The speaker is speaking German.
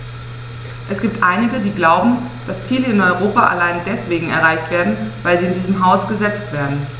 Es gibt einige, die glauben, dass Ziele in Europa allein deswegen erreicht werden, weil sie in diesem Haus gesetzt werden.